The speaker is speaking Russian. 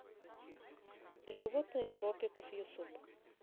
животные тропиков юсуп